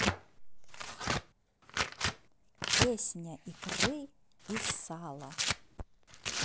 песня икры и сала